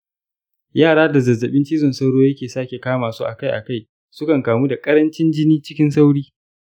yara da zazzabin cizon sauro yake sake kama su akai-akai sukan kamu da ƙarancin jini cikin sauri.